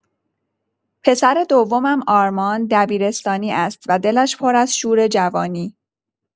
پسر دومم آرمان دبیرستانی است و دلش پر از شور جوانی.